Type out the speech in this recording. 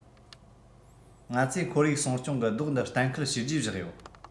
ང ཚོས ཁོར ཡུག སྲུང སྐྱོང གི རྡོག འདི གཏན འཁེལ བྱས རྗེས བཞག ཡོད